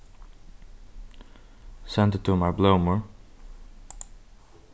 sendi tú mær blómur